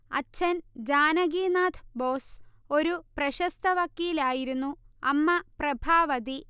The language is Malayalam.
അച്ഛൻ ജാനകിനാഥ് ബോസ് ഒരു പ്രശസ്ത വക്കീലായിരുന്നു അമ്മ പ്രഭാവതി